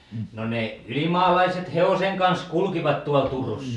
no ne ylimaalaiset hevosen kanssa kulkivat tuolla Turussa